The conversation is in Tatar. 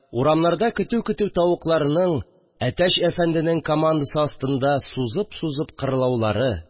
Урамнарда көтү-көтү тавыкларның әтәч әфәнденең командасы астында сузып-сузып кырлаулары